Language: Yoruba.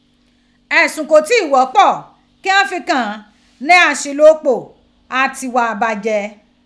Ẹsun ko ti ghọpọ ki ghan fi i kan ghan ni aṣilo ipo, ati igha ibajẹ.